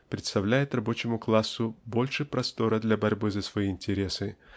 предоставляет рабочему классу больше простора для борьбы за свои интересы